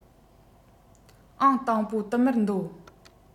ཨང དང པོ བསྟུད མར འདོད